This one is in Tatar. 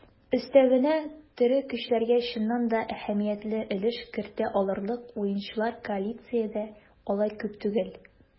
Өстәвенә, тере көчләргә чыннан да әһәмиятле өлеш кертә алырлык уенчылар коалициядә алай күп түгел.